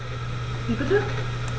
Wie bitte?